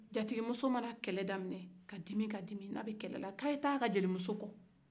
jatigimuso mana kɛlɛ daminɛ ka dimi ka dimi n' a bɛ kɛlɛ la ko a ye taa a ka jelimuso kɔ